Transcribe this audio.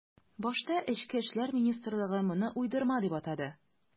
Башта эчке эшләр министрлыгы моны уйдырма дип атады.